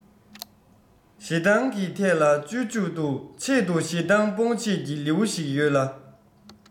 ཞེ སྡང གི ཐད ལ སྤྱོད འཇུག ཏུ ཆེད དུ ཞེ སྡང སྤོང བྱེད ཀྱི ལེའུ ཞིག ཡོད ལ